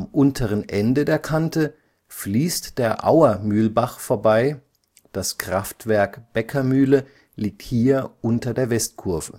unteren Ende der Kante fließt der Auer Mühlbach vorbei, das Kraftwerk Bäckermühle liegt hier unter der Westkurve